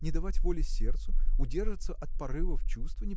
Не давать воли сердцу, удерживаться от порывов чувства?